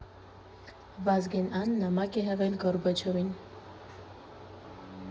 Վազգեն Ա֊֊ն նամակ է հղել Գորբաչովին։